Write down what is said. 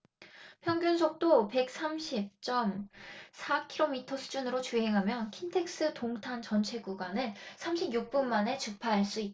평균속도 백 십 삼 쩜 사 키로미터 수준으로 주행하면 킨텍스 동탄 전체 구간을 삼십 육 분 만에 주파할 수 있다